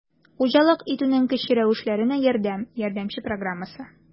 «хуҗалык итүнең кече рәвешләренә ярдәм» ярдәмче программасы